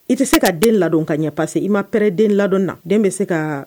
I tɛ se ka den ladon ka ɲɛ parce que i ma pret den ladon na den bɛ se ka